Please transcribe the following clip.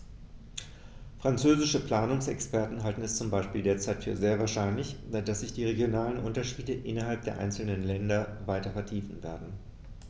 Französische Planungsexperten halten es zum Beispiel derzeit für sehr wahrscheinlich, dass sich die regionalen Unterschiede innerhalb der einzelnen Länder weiter vertiefen werden.